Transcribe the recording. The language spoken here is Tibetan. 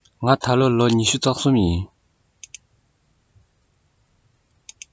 ང ད ལོ ལོ ཉི ཤུ རྩ གསུམ ཡིན